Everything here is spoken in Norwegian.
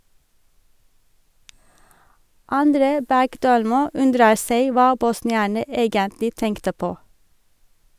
André Bergdølmo undrer seg hva bosnierne egentlig tenkte på.